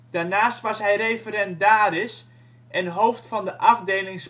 Daarnaast was hij referendaris en hoofd van de afdeling